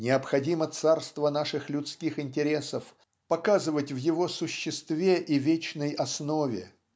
необходимо царство наших людских интересов показывать в его существе и вечной основе